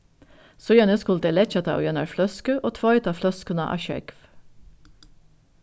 síðani skuldu tey leggja tað í eina fløsku og tveita fløskuna á sjógv